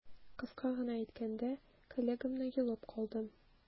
Кыска гына әйткәндә, коллегамны йолып калдым.